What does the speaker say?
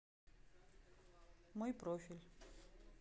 мой профиль